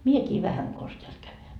minäkin vähän konsa täältä käyn